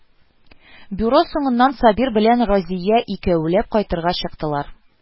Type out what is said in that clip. Бюро соңыннан Сабир белән Разия икәүләп кайтырга чыктылар